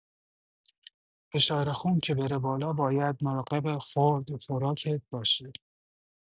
فشارخون که بره بالا، باید مراقب خورد و خوراکت باشی.